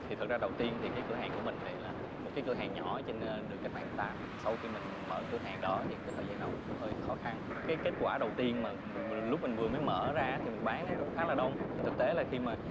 thì thực ra đầu tiên thì cái cửa hàng của mình này là một cái cửa hàng nhỏ trên đường cách mạng tám sau khi mình mở cửa hàng đó thì cái thời gian đầu nó cũng hơi khó khăn cái kết quả đầu tiên mà lúc mình vừa mới mở ra thì mình bán cũng khá là đông thì thực tế là khi mà